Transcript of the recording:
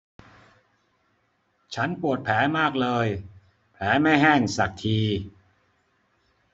ฉันปวดแผลมากเลยแผลไม่แห้งสักที